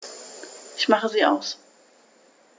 Ich mache sie aus.